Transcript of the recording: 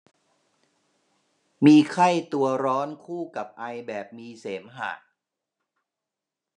มีไข้ตัวร้อนคู่กับไอแบบมีเสมหะ